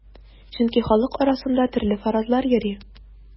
Чөнки халык арасында төрле фаразлар йөри.